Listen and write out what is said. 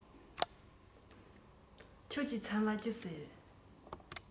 ཁྱེད ཀྱི མཚན ལ ཅི ཟེར